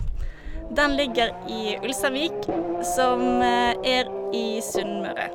Den ligger i Ulsteinvik, som er i Sunnmøre.